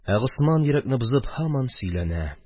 Ә Госман, йөрәкне бозып, һаман сөйләнә: